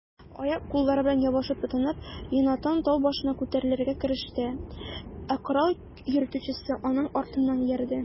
Аяк-куллары белән ябышып-тотынып, Йонатан тау башына күтәрелергә кереште, ә корал йөртүчесе аның артыннан иярде.